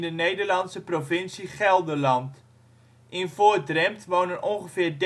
Nederlandse provincie Gelderland. In Voor-Drempt wonen ongeveer